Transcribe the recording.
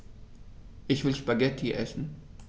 Ich will Spaghetti essen.